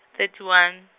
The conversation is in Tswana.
thirty one.